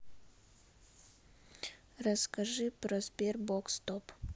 расскажи про sberbox стоп